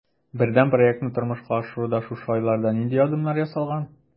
Бердәм проектны тормышка ашыруда шушы айларда нинди адымнар ясалган?